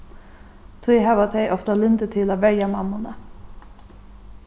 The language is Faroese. tí hava tey ofta lyndi til at verja mammuna